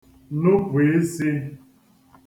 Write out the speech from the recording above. nupù isī